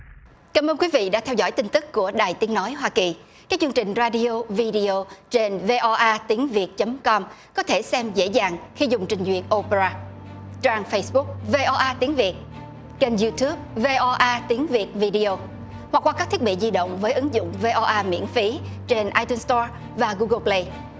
cảm ơn quý vị đã theo dõi tin tức của đài tiếng nói hoa kỳ các chương trình ra đi ô vi đi ô trên vê o a tiếng việt chấm com có thể xem dễ dàng khi dùng trình duyệt ô pê ra trang phây búc vê o a tiếng việt kênh diu túp vê o a tiếng việt vi đi ô hoặc qua các thiết bị di động với ứng dụng vê o a miễn phí trên ai tun sờ to và gu gồ pờ lây